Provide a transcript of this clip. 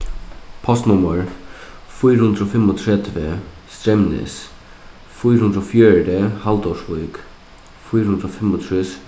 postnummur fýra hundrað og fimmogtretivu streymnes fýra hundrað og fjøruti haldórsvík fýra hundrað og fimmogtrýss